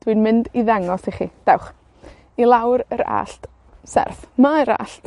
Dwi'n mynd i ddangos i chi, dewch, i lawr yr allt serth. Mae'r allt